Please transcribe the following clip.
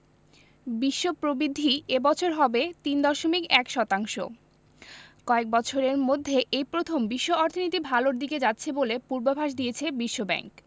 বিশ্ব প্রবৃদ্ধি এ বছর হবে ৩.১ শতাংশ কয়েক বছরের মধ্যে এই প্রথম বিশ্ব অর্থনীতি ভালোর দিকে যাচ্ছে বলে পূর্বাভাস দিয়েছে বিশ্বব্যাংক